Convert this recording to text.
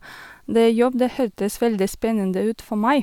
Det jobb, det hørtes veldig spennende ut for meg.